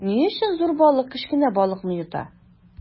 Ни өчен зур балык кечкенә балыкны йота?